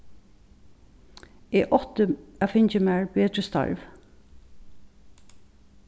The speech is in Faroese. eg átti at fingið mær betri starv